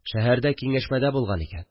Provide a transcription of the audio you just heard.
Шәһәрдә киңәшмәдә булган икән